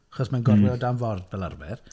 achos mae hi'n gorwedd o dan ford, fel arfer.